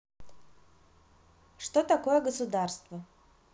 что такое государство